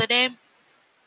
đêm